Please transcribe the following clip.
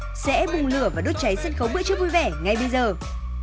sẽ bùng lửa và đốt cháy sân khấu bữa trưa vui vẻ ngay bây giờ